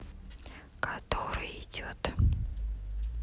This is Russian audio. который идет